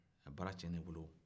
baara tiɲɛna i bolo